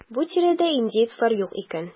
Бу тирәдә индеецлар юк икән.